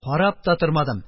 Карап та тормадым,